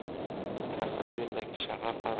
taqir yo'ldagi shag'al